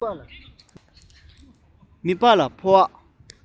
མགྲིན པ ལ ཕོ བ